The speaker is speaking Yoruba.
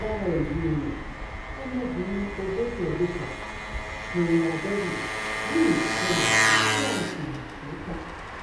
Lára èyí ni, ọmọbìnrin ogójì ọdún kan Kanya Devi rí ìkọlù tí a sì lù ú pa